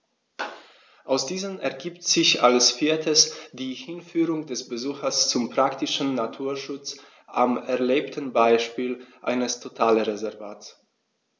Aus diesen ergibt sich als viertes die Hinführung des Besuchers zum praktischen Naturschutz am erlebten Beispiel eines Totalreservats.